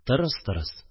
Тырыс-тырыс